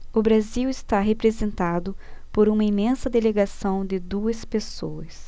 o brasil está representado por uma imensa delegação de duas pessoas